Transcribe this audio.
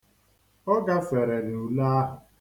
Ọ gafere n'ule ahụ.